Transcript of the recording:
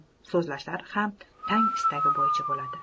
so'zlashlari ham tang istagi bo'yicha bo'ladi